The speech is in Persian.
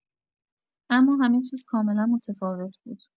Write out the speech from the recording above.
اما همه چیز کاملا متفاوت بود.